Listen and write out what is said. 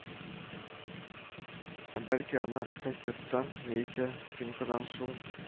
Ә бәлки аны кастеттан яисә финкадан шул